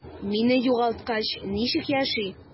Мине югалткач, ничек яши?